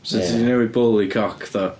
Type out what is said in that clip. So ti 'di newid bull i cock do?